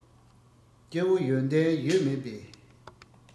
སྐྱེ བོ ཡོན ཏན ཡོད མེད པའི